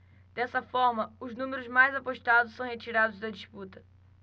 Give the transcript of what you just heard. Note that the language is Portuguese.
dessa forma os números mais apostados são retirados da disputa